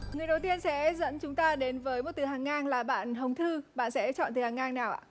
người đầu tiên sẽ dẫn chúng ta đến với một từ hàng ngang là bạn hồng thư bạn sẽ chọn từ hàng ngang nào ạ